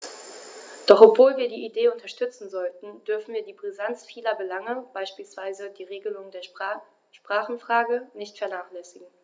Doch obwohl wir die Idee unterstützen sollten, dürfen wir die Brisanz vieler Belange, beispielsweise die Regelung der Sprachenfrage, nicht vernachlässigen.